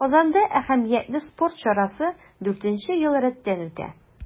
Казанда әһәмиятле спорт чарасы дүртенче ел рәттән үтә.